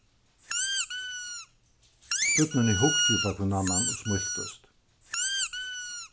børnini hugdu upp á hvønn annan og smíltust